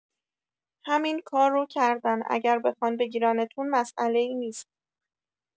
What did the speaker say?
همین کارو کردن اگر بخوان بگیرنتون مساله‌ای نیست